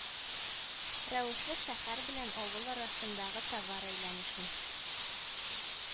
Рәвешле шәһәр белән авыл арасындагы товар әйләнешен